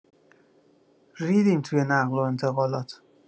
ریدیم توی نقل انتقالات